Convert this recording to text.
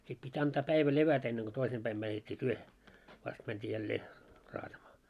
sitten piti antaa päivä levätä ennen kuin toisin päin mätettiin työhön vasta mentiin jälleen raatamaan